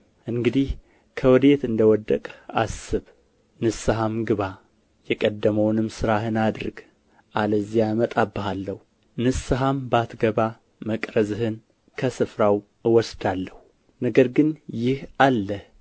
እንግዲህ ከወዴት እንደ ወደቅህ አስብ ንስሐም ግባ የቀደመውንም ሥራህን አድርግ አለዚያ እመጣብሃለሁ ንስሐም ባትገባ መቅረዝህን ከስፍራው እወስዳለሁ ነገር ግን ይህ አለህ